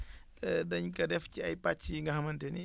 dañ ko def ci ay pàcc yi nga xamante ni